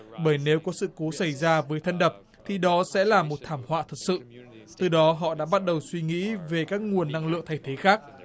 bởi nếu có sự cố xảy ra với thân đập thì đó sẽ là một thảm họa thật sự từ đó họ đã bắt đầu suy nghĩ về các nguồn năng lượng thay thế khác